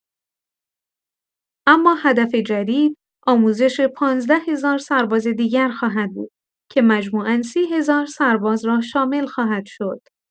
اما هدف جدید، آموزش ۱۵۰۰۰ سرباز دیگر خواهد بود که مجموعا ۳۰ هزار سرباز را شامل خواهد شد.